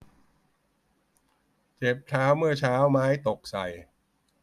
เจ็บเท้าเมื่อเช้าไม้ตกใส่